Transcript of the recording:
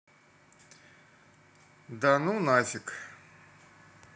данунафиг